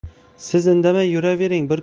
siz indamay yuravering bir